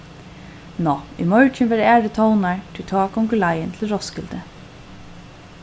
ná í morgin verða aðrir tónar tí tá gongur leiðin til roskilde